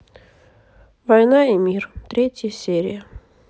война и мир третья серия